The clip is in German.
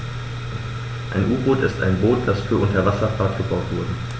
Ein U-Boot ist ein Boot, das für die Unterwasserfahrt gebaut wurde.